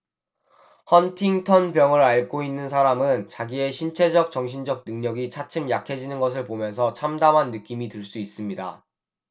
헌팅턴병을 앓고 있는 사람은 자기의 신체적 정신적 능력이 차츰 약해지는 것을 보면서 참담한 느낌이 들 수 있습니다